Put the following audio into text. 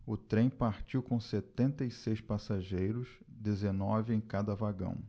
o trem partiu com setenta e seis passageiros dezenove em cada vagão